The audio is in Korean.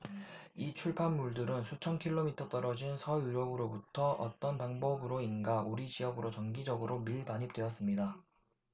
이 출판물들은 수천 킬로미터 떨어진 서유럽으로부터 어떤 방법으로인가 우리 지역으로 정기적으로 밀반입되었습니다